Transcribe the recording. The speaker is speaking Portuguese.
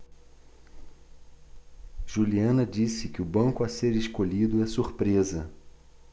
juliana disse que o banco a ser escolhido é surpresa